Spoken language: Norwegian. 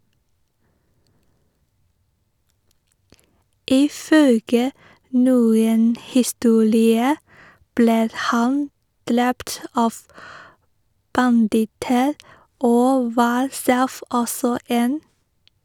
Ifølge noen historier ble han drept av banditter, og var selv også en.